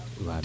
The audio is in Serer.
wala